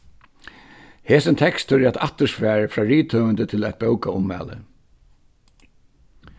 hesin tekstur er eitt aftursvar frá rithøvundi til eitt bókaummæli